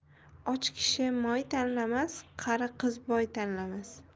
och kishi moy tanlamas qari qiz boy tanlamas